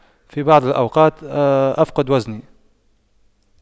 في بعض الأوقات أفقد وزني